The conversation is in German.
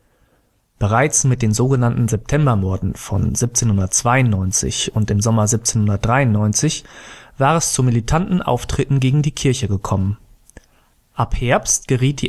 Bereits mit den „ Septembermorden “von 1792 und im Sommer 1793 war es zu militanten Auftritten gegen die Kirche gekommen, ab Herbst geriet